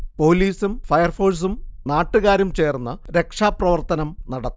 പോലീസും ഫയർഫോഴ്സും നാട്ടുകാരും ചേർന്ന് രക്ഷാപ്രവർത്തനം നടത്തി